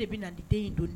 De bena nin den in donI